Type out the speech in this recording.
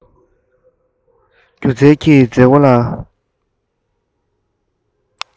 སྒྱུ རྩལ གྱི མཛེས བཀོད ལ